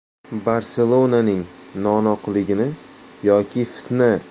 barselona ning no'noqligimi yoki fitna